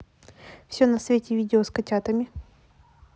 все на свете видео с котятами